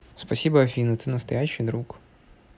спасибо афина ты настоящий друг